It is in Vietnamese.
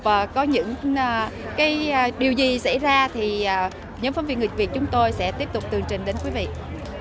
và có những cái điều gì xảy ra thì nhóm phóng viên người việt chúng tôi sẽ tiếp tục tường trình đến quý vị